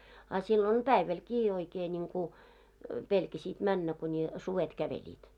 a silloin päivälläkin oikein niin kuin pelkäsit mennä kuni sudet kävelivät